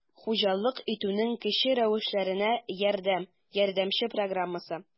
«хуҗалык итүнең кече рәвешләренә ярдәм» ярдәмче программасы